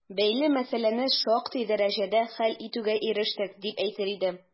Бәйле мәсьәләне шактый дәрәҗәдә хәл итүгә ирештек, дип әйтер идем.